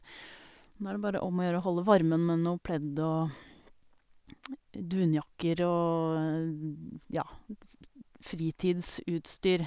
Men da er det bare om å gjøre å holde varmen med noe pledd og dunjakker og, f ja, fritidsutstyr.